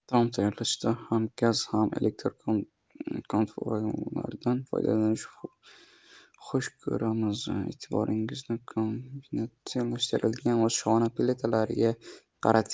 taom tayorlashda ham gaz ham elektr konforkalardan foydalanishni xush ko'rsangiz e'tiboringizni kombinatsiyalashtirilgan oshxona plitalariga qarating